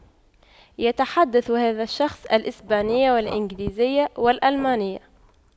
يتحدث هذا الشخص الإسبانية والإنجليزية والألمانية